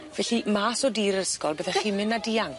Felly mas o dir yr ysgol byddech chi'n myn' a dianc?